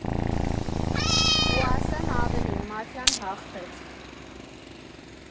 Ու ասեմ ավելին՝ մաֆիան հաղթեց։